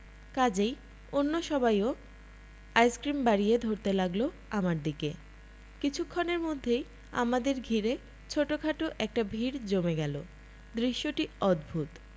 কাজেই অন্য সবাইও আইসক্রিম বাড়িয়ে ধরতে লাগিল আমার দিকে কিছুক্ষণের মধ্যেই অমািদের ঘিরে ছোটখাট একটা ভিড় জমে উঠল দৃশ্যটি অদ্ভুত